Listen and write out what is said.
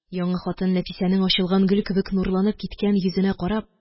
Яңы хатын, Нәфисәнең ачылган гөл кебек нурланып киткән йөзенә карап